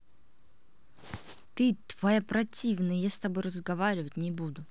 ты твоя противная я с тобой разговаривать не буду